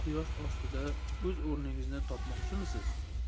quyosh ostida o'z o'rningizni topmoqchimisiz